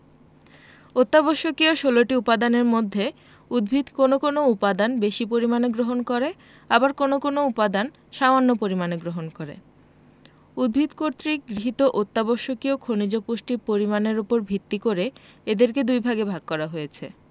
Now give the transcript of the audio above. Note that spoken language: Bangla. অত্যাবশ্যকীয় ১৬ টি উপাদানের মধ্যে উদ্ভিদ কোনো কোনো উপাদান বেশি পরিমাণে গ্রহণ করে আবার কোনো কোনো উপাদান সামান্য পরিমাণে গ্রহণ করে উদ্ভিদ কর্তৃক গৃহীত অত্যাবশ্যকীয় খনিজ পুষ্টির পরিমাণের উপর ভিত্তি করে এদেরকে দুইভাগে ভাগ করা হয়েছে